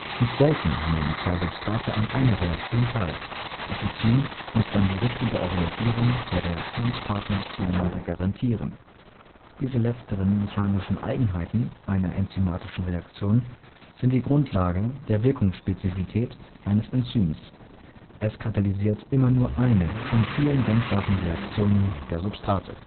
Nicht selten nehmen zwei Substrate an einer Reaktion teil, das Enzym muss dann die richtige Orientierung der Reaktionspartner zueinander garantieren. Diese letzteren mechanistischen Eigenheiten einer enzymatischen Reaktion sind die Grundlage der Wirkungsspezifität eines Enzyms. Es katalysiert immer nur eine von vielen denkbaren Reaktionen der Substrate